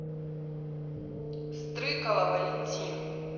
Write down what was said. стрыкало валентин